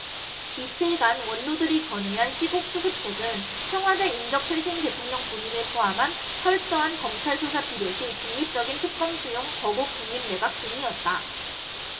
이틀간 원로들이 건의한 시국수습책은 청와대 인적 쇄신 대통령 본인을 포함한 철저한 검찰 수사 필요시 중립적인 특검 수용 거국중립내각 등이었다